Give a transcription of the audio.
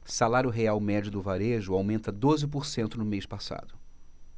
salário real médio do varejo aumenta doze por cento no mês passado